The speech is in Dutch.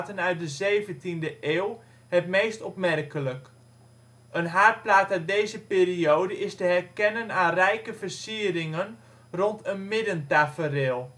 uit de 17e eeuw het meest opmerkelijk. Een haardplaat uit deze periode is te herkennen aan rijke versieringen rond een middentafereel